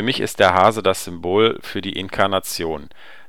mich ist der Hase das Symbol für die Inkarnation,